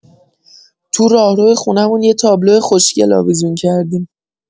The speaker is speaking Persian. تو راهرو خونمون یه تابلو خوشگل آویزون کردیم.